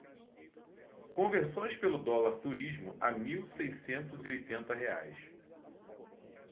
conversões pelo dólar turismo a mil seiscentos e oitenta reais